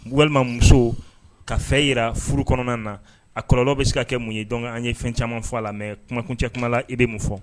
Walimamuso ka fɛn jira furu kɔnɔna na a kɔrɔlɔ bɛ se ka kɛ mun ye dɔn an ye fɛn caman fɔ a la mɛ kumakuncɛkuma i bɛ mun fɔ